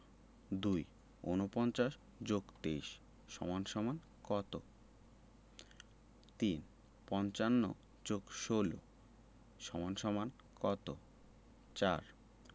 ২ ৪৯ + ২৩ = কত ৩ ৫৫ + ১৬ = কত ৪